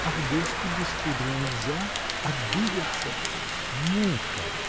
а в гости без пудры нельзя -- обидятся, -- мука!